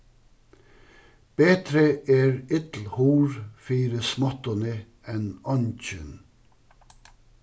betri er ill hurð fyri smáttuni enn eingin